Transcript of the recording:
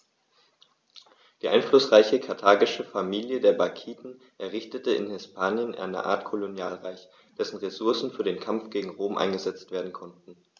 Die einflussreiche karthagische Familie der Barkiden errichtete in Hispanien eine Art Kolonialreich, dessen Ressourcen für den Kampf gegen Rom eingesetzt werden konnten.